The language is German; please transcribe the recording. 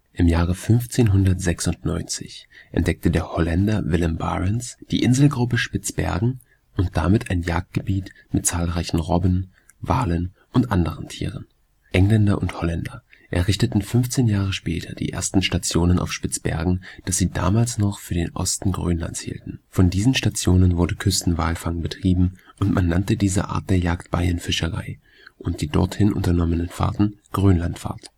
Im Jahre 1596 entdeckte der Holländer Willem Barents die Inselgruppe Spitzbergen und damit ein Jagdgebiet mit zahlreichen Robben, Walen und anderen Tieren. Engländer und Holländer errichteten 15 Jahre später die ersten Stationen auf Spitzbergen, das sie damals noch für den Osten Grönlands hielten. Von diesen Stationen wurde Küstenwalfang betrieben und man nannte diese Art der Jagd Baienfischerei und die dorthin unternommenen Fahrten Grönlandfahrt